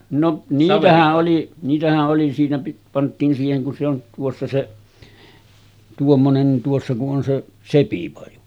no niitähän oli niitähän oli siinä - pantiin siihen kun se on tuossa se tuommoinen niin tuossa kun on se sepipaju